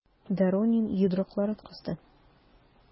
Доронин йодрыкларын кысты.